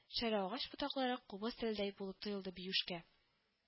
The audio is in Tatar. Шәрә агач ботаклары кубыз теледәй булып тоелды биюшкә